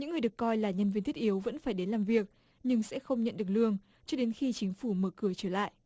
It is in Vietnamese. những người được coi là nhân viên thiết yếu vẫn phải đến làm việc nhưng sẽ không nhận được lương cho đến khi chính phủ mở cửa trở lại